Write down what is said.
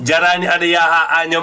jaraani aɗa yaha haa Agname